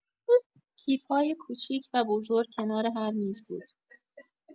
کیف‌های کوچیک و بزرگ کنار هر میز بود.